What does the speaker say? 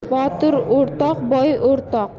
botir o'rtoq boy o'rtoq